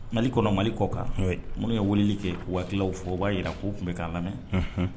Malili kɔnɔ mali kɔ kan minnu ye wuli kɛ waatilaww fɔ u'a jira k' tun bɛ k'a lamɛn